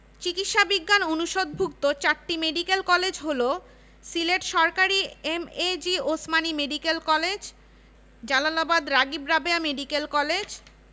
ফলিত বিজ্ঞান অনুষদের অন্তর্ভুক্ত বিভাগসমূহের মধ্যে আছে স্থাপত্যবিদ্যা ইলেকট্রনিক্স ও কম্পিউটার বিজ্ঞান রাসায়নিক প্রযুক্তি ও পলিমার বিজ্ঞান